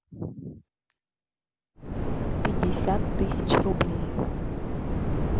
пятьдесят тысяч рублей